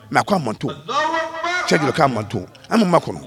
Mɛ a k'a manto cɛdu k' manto an bɛ ma kɔnɔ